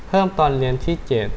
เพิ่มตอนเรียนที่เจ็ด